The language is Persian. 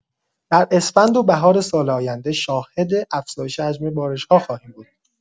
در اسفند و بهار سال آینده شاهد افزایش حجم بارش‌ها خواهیم بود.